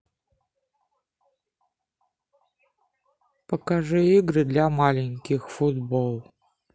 покажи игры для маленьких футбол